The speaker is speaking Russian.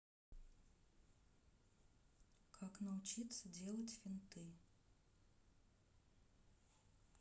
как научиться делать финты